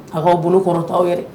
Aw'aw bolo kɔrɔta' aw yɛrɛ